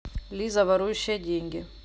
лиза ворующая деньги